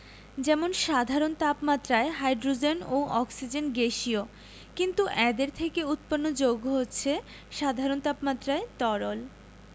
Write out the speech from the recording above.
যেমন সাধারণ তাপমাত্রায় হাইড্রোজেন ও অক্সিজেন গ্যাসীয় কিন্তু এদের থেকে উৎপন্ন যৌগ হচ্ছে সাধারণ তাপমাত্রায় তরল